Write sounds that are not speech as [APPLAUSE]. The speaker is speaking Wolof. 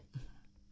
[HESITATION]